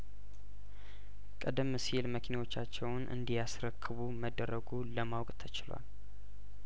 ቀደም ሲል መኪናዎቻቸውን እንዲ ያስረክቡ መደረጉ ለማወቅ ተችሏል